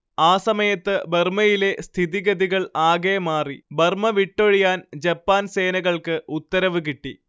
ആ സമയത്ത് ബർമ്മയിലെ സ്ഥിതിഗതികൾ ആകെ മാറി ബർമ്മ വിട്ടൊഴിയാൻ ജപ്പാൻ സേനകൾക്ക് ഉത്തരവ് കിട്ടി